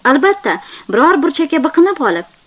albatta biror burchakka biqinib olib